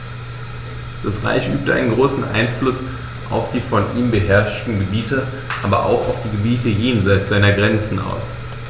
Das Reich übte einen großen Einfluss auf die von ihm beherrschten Gebiete, aber auch auf die Gebiete jenseits seiner Grenzen aus.